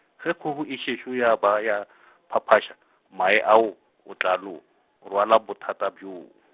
ge kgogo e sešo ya ba ya , phaphaša, mae ao, o tla no, rwala bothata bjoo.